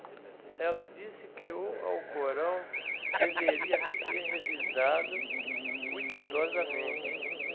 ela disse que o alcorão deveria ser revisado cuidadosamente